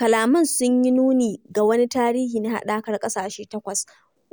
Kalaman sun yi nuni ga wani tarihi na Haɗakar ƙasashe Takwas,